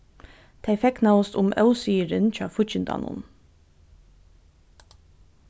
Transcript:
tey fegnaðust um ósigurin hjá fíggindanum